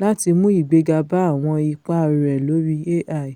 láti mú ìgbéga bá àwọn ipá rẹ̀ lórí AI.